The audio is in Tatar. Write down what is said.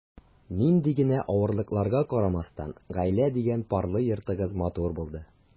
Нинди генә авырлыкларга карамастан, “гаилә” дигән парлы йортыгыз матур булды.